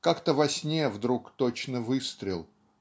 Как-то во сне вдруг точно выстрел